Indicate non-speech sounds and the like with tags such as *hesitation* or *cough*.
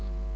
*hesitation* *hesitation*